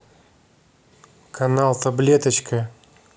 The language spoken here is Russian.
канал таблеточка